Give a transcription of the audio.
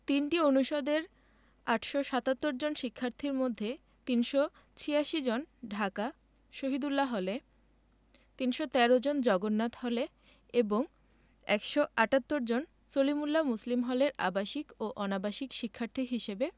৩টি অনুষদের ৮৭৭ জন শিক্ষার্থীর মধ্যে ৩৮৬ জন ঢাকা শহীদুল্লাহ হলে ৩১৩ জন জগন্নাথ হলে এবং ১৭৮ জন সলিমুল্লাহ মুসলিম হলের আবাসিক ও অনাবাসিক শিক্ষার্থী হিসেবে